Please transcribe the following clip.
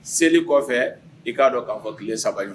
Seli kɔfɛ i k'a dɔn k'a fɔ tile saba ɲɔ